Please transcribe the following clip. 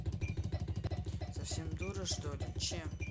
совсем дура что ли чем